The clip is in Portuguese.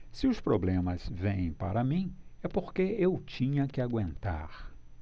se os problemas vêm para mim é porque eu tinha que aguentar